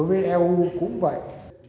đối với eu cũng vậy